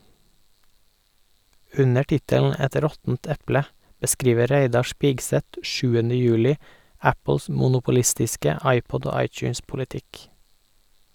Under tittelen «Et råttent eple» beskriver Reidar Spigseth 7. juli Apples monopolistiske iPod- og iTunes-politikk.